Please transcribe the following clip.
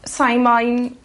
sai moyn...